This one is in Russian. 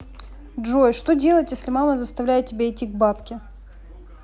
джой что делать если мама заставляет тебя идти к бабке